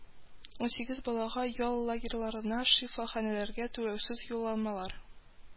Унсигез балага ял лагерьларына, шифаханәләргә түләүсез юлламалар